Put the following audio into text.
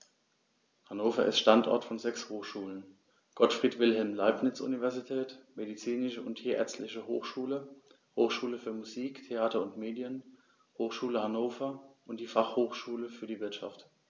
Hannover ist Standort von sechs Hochschulen: Gottfried Wilhelm Leibniz Universität, Medizinische und Tierärztliche Hochschule, Hochschule für Musik, Theater und Medien, Hochschule Hannover und die Fachhochschule für die Wirtschaft.